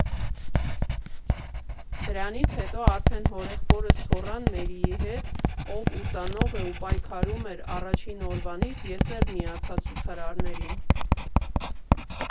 Դրանից հետո արդեն հորեղբորս թոռան՝ Մերիի հետ, ով ուսանող է ու պայքարում էր առաջին օրվանից, ես էլ միացա ցուցարարներին։